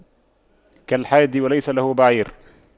كالحادي وليس له بعير